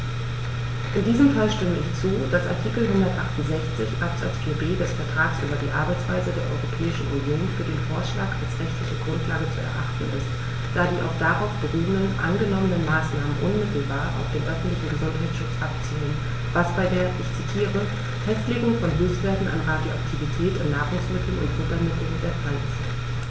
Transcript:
In diesem Fall stimme ich zu, dass Artikel 168 Absatz 4b des Vertrags über die Arbeitsweise der Europäischen Union für den Vorschlag als rechtliche Grundlage zu erachten ist, da die auf darauf beruhenden angenommenen Maßnahmen unmittelbar auf den öffentlichen Gesundheitsschutz abzielen, was bei der - ich zitiere - "Festlegung von Höchstwerten an Radioaktivität in Nahrungsmitteln und Futtermitteln" der Fall ist.